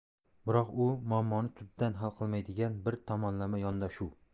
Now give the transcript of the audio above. biroq bu muammoni tubdan hal qilmaydigan bir tomonlama yondashuv